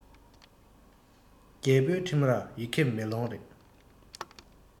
རྒྱལ པོའི ཁྲིམས རར ཡི གེ མེ ལོང རེད